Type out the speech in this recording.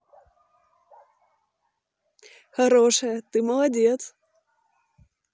хорошая ты молодец